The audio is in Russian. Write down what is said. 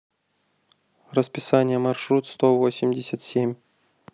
расписание маршрут сто восемьдесят семь